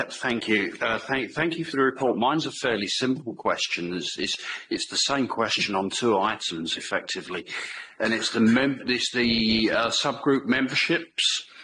Yeah, thank you. Uh thank- thank you for the report, mine's a fairly simple question, it's it's it's the same question on two items effectively and it's the mem- it's the yy sub-group memberships,